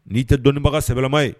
N'i tɛ dɔnniibaga sɛbɛɛlɛma ye